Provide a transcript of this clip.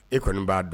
E kɔni b'a dɔn